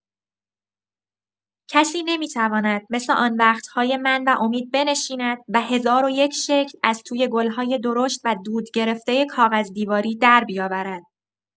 کسی نمی‌تواند مثل آن وقت‌های من و امید بنشیند و هزار و یک‌شکل از توی گل‌های درشت و دوده‌گرفتۀ کاغذدیواری دربیاورد.